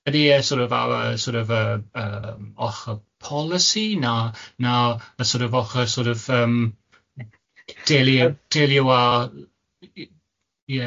ydy e sort of ar y sort of yy yym ochr polisi na, na y sort of ochr sort of yym delio delio â yy ie.